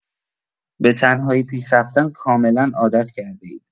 به‌تنهایی پیش‌رفتن کاملا عادت کرده‌اید.